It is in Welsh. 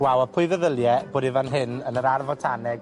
waw, a pwy feddylie bod e fan hyn yn yr ar fotaneg...